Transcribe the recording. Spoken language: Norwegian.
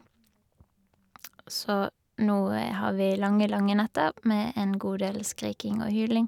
Så nå har vi lange, lange netter med en god del skriking og hyling.